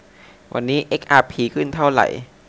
วันนี้เอ็กอาร์พีขึ้นเท่าไหร่